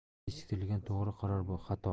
kechiktirilgan to'g'ri qaror bu xato